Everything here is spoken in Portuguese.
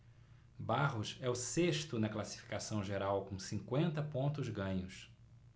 barros é o sexto na classificação geral com cinquenta pontos ganhos